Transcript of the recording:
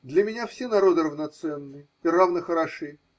Для меня все народы равноценны и равно хороши.